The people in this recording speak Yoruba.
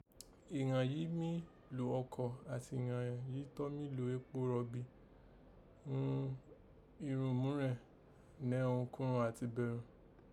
Ìghàn yìí mí lò ọkọ̀ àti ìghàn yìí tọ́n mí lò epo rọ̀bì ghún irun múrẹ̀n nẹ̀ẹ́ irunkírun àti bẹ̀rùn